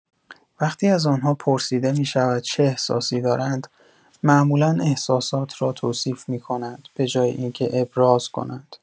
وقتی از آن‌ها پرسیده می‌شود چه احساسی دارند، معمولا احساسات را توصیف می‌کنند، به‌جای اینکه ابراز کنند.